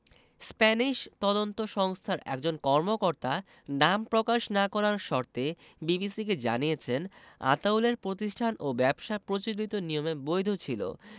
Spanish তদন্ত সংস্থার একজন কর্মকর্তা নাম প্রকাশ না করার শর্তে বিবিসিকে জানিয়েছেন আতাউলের প্রতিষ্ঠান ও ব্যবসা প্রচলিত নিয়মে বৈধ ছিল